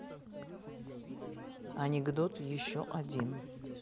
анекдот еще один